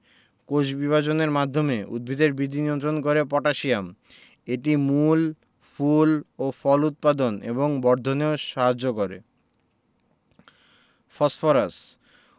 কোষবিভাজনের মাধ্যমে উদ্ভিদের বৃদ্ধি নিয়ন্ত্রণ করে পটাশিয়াম এটি মূল ফুল ও ফল উৎপাদন এবং বর্ধনেও সাহায্য করে ফসফরাস